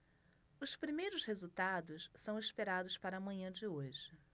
os primeiros resultados são esperados para a manhã de hoje